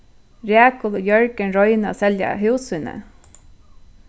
rakul og jørgen royna at selja hús síni